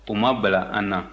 o ma bala an na